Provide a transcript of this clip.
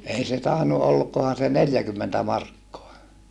ei se tainnut olikohan se neljäkymmentä markkaa